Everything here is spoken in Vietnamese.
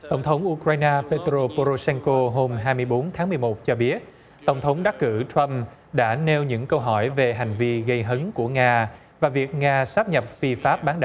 tổng thống u cờ rai nai bê tờ rô bô rô sen cô hôm hai mươi bốn tháng mười một cho biết tổng thống đắc cử trăm đã nêu những câu hỏi về hành vi gây hấn của nga và việc nga sáp nhập phi pháp bán